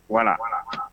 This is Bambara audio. Wala